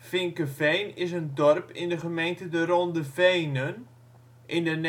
Vinkeveen is een dorp in de gemeente De Ronde Venen in de